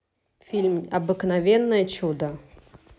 фильм обыкновенное чудо